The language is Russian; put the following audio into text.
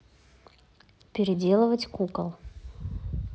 переделывать кукол